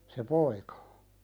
se poika